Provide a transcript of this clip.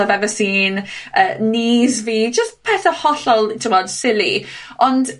I've ever seen, yy knees* fi jyst pethe hollol t'mod sili, ond...